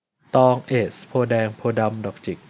ตองเอซโพธิ์แดงโพธิ์ดำดอกจิก